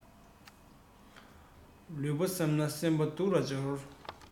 ལུས པོ བསམས ན སེམས པ སྡུག ལ སྦྱོར